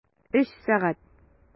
Өч сәгать!